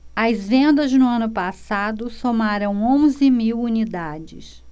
as vendas no ano passado somaram onze mil unidades